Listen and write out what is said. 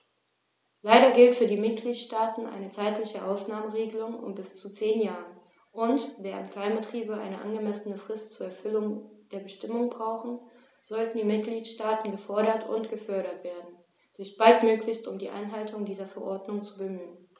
Leider gilt für die Mitgliedstaaten eine zeitliche Ausnahmeregelung von bis zu zehn Jahren, und, während Kleinbetriebe eine angemessene Frist zur Erfüllung der Bestimmungen brauchen, sollten die Mitgliedstaaten gefordert und gefördert werden, sich baldmöglichst um die Einhaltung dieser Verordnung zu bemühen.